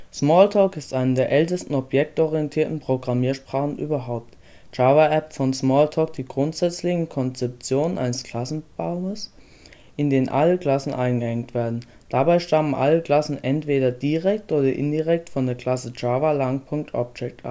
Smalltalk ist eine der ältesten objektorientierten Programmiersprachen überhaupt. Java erbt von Smalltalk die grundsätzliche Konzeption eines Klassenbaumes, in den alle Klassen eingehängt werden. Dabei stammen alle Klassen entweder direkt oder indirekt von der Klasse java.lang. Object ab